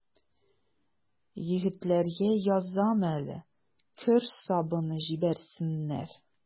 Егетләргә язам әле: кер сабыны җибәрсеннәр.